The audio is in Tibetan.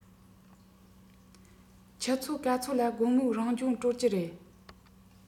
ཆུ ཚོད ག ཚོད ལ དགོང མོའི རང སྦྱོང གྲོལ གྱི རེད